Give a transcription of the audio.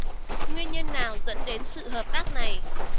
nguyên nhân nào dẫn đến sự hợp tác này